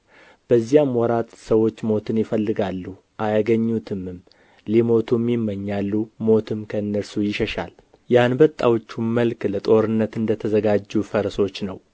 በዚያም ወራት ሰዎች ሞትን ይፈልጋሉ አያገኙትምም ሊሞቱም ይመኛሉ ሞትም ከእነርሱ ይሸሻል የአንበጣዎቹም መልክ ለጦርነት እንደ ተዘጋጁ ፈረሶች ነው